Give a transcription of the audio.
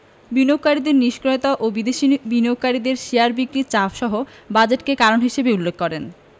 বিনিয়োগকারীদের নিষ্ক্রিয়তা বিদেশি বিনিয়োগকারীদের শেয়ার বিক্রির চাপসহ বাজেটকে কারণ হিসেবে উল্লেখ করেন